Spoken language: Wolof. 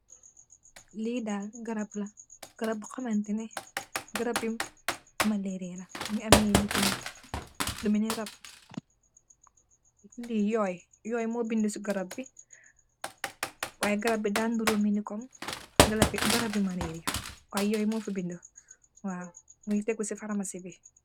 Lee dal garab la garab bu hamantane garabe malaria la muge ameh lefin lu melne rabb yuye yuye mu beda se garab be y garab be da murou melne kom garabe malaria y yuye mufa bedee waw muge teegu se pharmacybe.